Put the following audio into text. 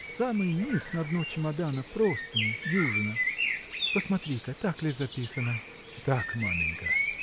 – В самый низ, на дно чемодана, простыни: дюжина. Посмотри-ка, так ли записано? – Так, маменька.